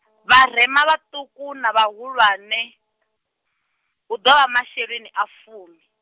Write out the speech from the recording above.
vharema vhaṱuku na vhahulwane, hu ḓo vha masheleni a fumi.